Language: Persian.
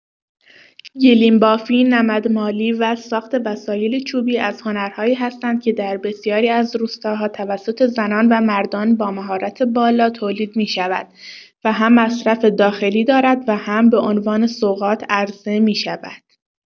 گلیم‌بافی، نمدمالی و ساخت وسایل چوبی از هنرهایی هستند که در بسیاری از روستاها توسط زنان و مردان با مهارت بالا تولید می‌شود و هم مصرف داخلی دارد و هم به عنوان سوغات عرضه می‌شود.